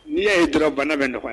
N'i y' ye turabana bɛ nɔgɔya